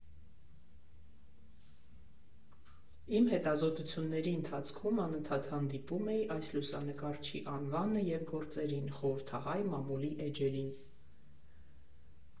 Իմ հետազոտությունների ընթացքում անընդհատ հանդիպում էի այս լուսանկարչի անվանը և գործերին խորհրդահայ մամուլի էջերին։